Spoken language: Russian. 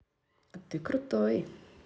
а ты крутой